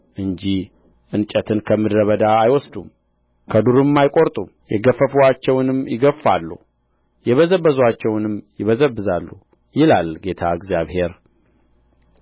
እንጂ እንጨትን ከምድረ በዳ አይወስዱም ከዱርም አይቈርጡም የገፈፉአቸውንም ይገፍፋሉ የበዘበዙአቸውንም ይበዘብዛሉ ይላል ጌታ እግዚአብሔር